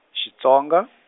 Xitsonga .